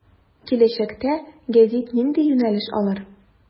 Киләчәктә гәзит нинди юнәлеш алыр.